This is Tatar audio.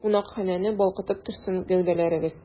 Кунакханәне балкытып торсын гәүдәләрегез!